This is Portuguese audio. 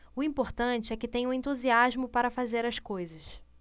o importante é que tenho entusiasmo para fazer as coisas